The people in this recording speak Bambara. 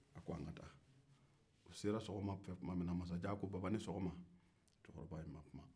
a k o an ka taa u sera tuma min na masajan ko baba ni sɔgɔma cɛkɔrɔba in ma kuma